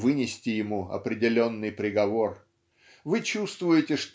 вынести ему определенный приговор? Вы чувствуете